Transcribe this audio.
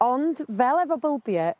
ond fel efo bylbie